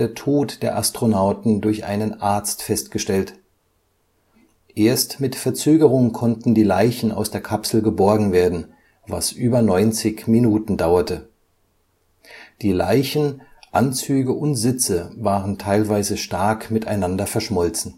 Tod der Astronauten durch einen Arzt festgestellt. Erst mit Verzögerung konnten die Leichen aus der Kapsel geborgen werden, was über 90 Minuten dauerte. Die Leichen, Anzüge und Sitze waren teilweise stark miteinander verschmolzen